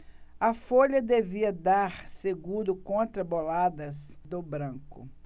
a folha devia dar seguro contra boladas do branco